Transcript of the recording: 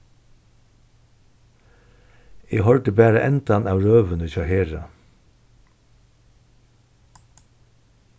eg hoyrdi bara endan av røðuni hjá hera